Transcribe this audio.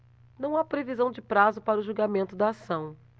não há previsão de prazo para o julgamento da ação